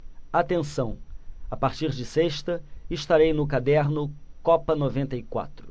atenção a partir de sexta estarei no caderno copa noventa e quatro